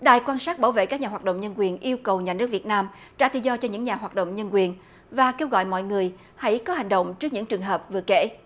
đài quan sát bảo vệ các nhà hoạt động nhân quyền yêu cầu nhà nước việt nam trả tự do cho những nhà hoạt động nhân quyền và kêu gọi mọi người hãy có hành động trước những trường hợp vừa kể